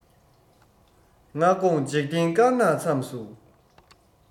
སྔ དགོང འཇིག རྟེན དཀར ནག མཚམས སུ